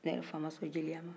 ne yɛrɛ fa ma sɔn jeliya ma